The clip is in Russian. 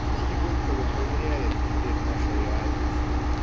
Книги Горького проверяет теперь наша реальность.